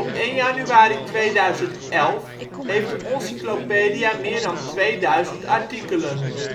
januari 2011 heeft de Oncyclopedia meer dan 2000 artikelen